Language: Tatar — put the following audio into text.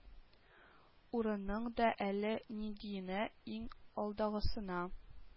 Урынның да әле ниндиенә иң алдагысына